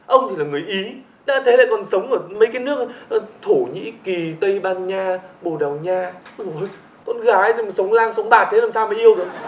ông thì là người ý đã thế còn sống ở mấy cái nước a thổ nhĩ kỳ tây ban nha bồ đào nha ôi dời ôi con gái gì mà sống lang sống bạc nữa thì làm sao mà yêu được